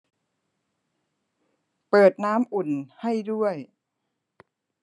เปิดน้ำอุ่นให้ด้วย